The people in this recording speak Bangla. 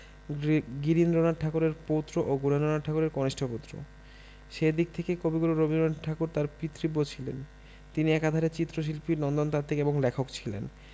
গিরীন্দ্রনাথ ঠাকুরের পৌত্র ও গুণেন্দ্রনাথ ঠাকুরের কনিষ্ঠ পুত্র সে দিক থেকে কবিগুরু রবীন্দ্রনাথ ঠাকুর তার পিতৃব্য ছিলেন তিনি একাধারে চিত্রশিল্পী নন্দনতাত্ত্বিক এবং লেখক ছিলেন